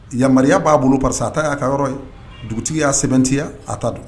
Yamaruya b'a bolo pa a ta y'a ka yɔrɔ ye dugutigi y'a sɛbɛntiya a ta don